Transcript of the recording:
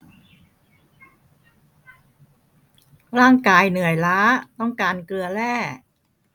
ร่างกายเหนื่อยล้าต้องการเกลือแร่